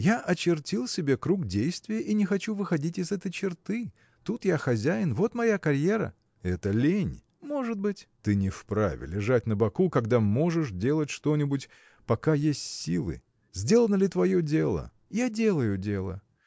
– Я очертил себе круг действия и не хочу выходить из этой черты. Тут я хозяин: вот моя карьера. – Это лень. – Может быть. – Ты не вправе лежать на боку когда можешь делать что-нибудь пока есть силы. Сделано ли твое дело? – Я делаю дело.